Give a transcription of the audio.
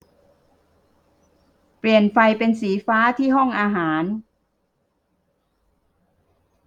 เปลี่ยนไฟเป็นสีฟ้าที่ห้องอาหาร